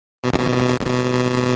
yaxshilik yog'och boshida